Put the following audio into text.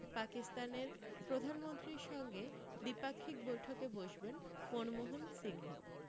পাকিস্তানের প্রধানমন্ত্রীর সঙ্গে দ্বিপাক্ষিক বৈঠকে বসবেন মনমোহন সিংহ